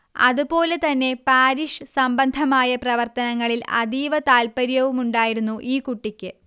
അതുപോലെ തന്നെ പാരിഷ് സംബന്ധമായ പ്രവർത്തനങ്ങളിൽ അതീവ താൽപര്യവുമുണ്ടായിരുന്നു ഈ കുട്ടിക്ക്